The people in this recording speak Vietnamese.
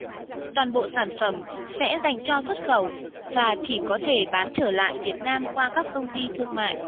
toàn bộ sản phẩm sẽ dành cho xuất khẩu và chỉ có thể bán trở lại việt nam qua các công ty thương mại